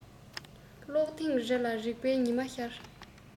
ཀློག ཐེངས རེ ལ རིག པའི ཉི མ ཤར